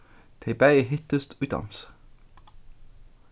tey bæði hittust í dansi